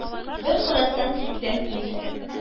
Бер карасаң, күптән ир